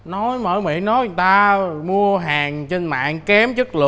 nói mở miệng nói người ta mua hàng trên mạng kém chất lượng